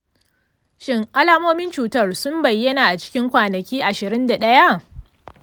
shin alamomin cutar sun bayyana a cikin kwanaki ashirin da daya?